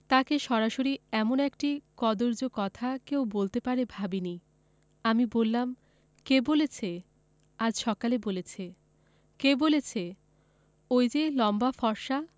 তাকে সরাসরি এমন একটি কদৰ্য কথা কেউ বলতে পারে ভাবিনি আমি বললাম কে বলেছে আজ সকালে বলেছে কে সে ঐ যে লম্বা ফর্সা